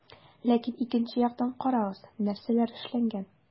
Ләкин икенче яктан - карагыз, нәрсәләр эшләнгән.